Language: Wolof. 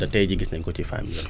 te tey jii gis nañ ko ci fànn yëpp